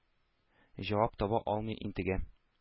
Җавап таба алмый интегә.